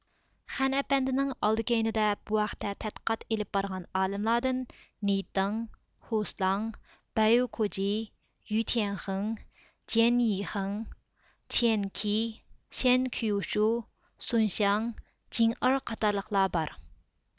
خەن ئەپەندىنىڭ ئالدى كەينىدە بۇ ھەقتە تەتقىقات ئېلىپ بارغان ئالىملاردىن نېيتىڭ خۇسىلاڭ بەيۋۇكۇجى يۈتيەنخېڭ جيەننېيخېڭ چېنيەنكې شەنكۇشيۇ سۇنشاڭ جېڭئېر قاتارلىقلار بار